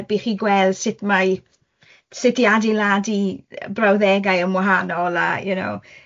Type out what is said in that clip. helpu chi gweld sut mae, sut i adeiladu yy brawddegau yn wahanol a you know